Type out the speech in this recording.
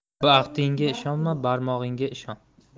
baxtingga ishonma barmog'ingga ishon